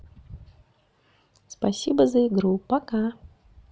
спасибо за игру пока